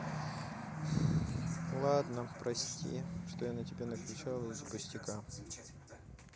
ладно прости что я на тебя накричала из за пустяка